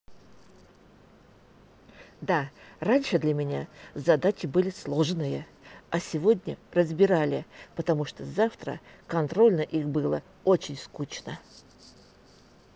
да раньше для меня задачи были сложные а сегодня разбирали потому что завтра контрольно их было очень скучно